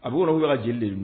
A bɛ yɔrɔ yɔrɔ lajɛlen de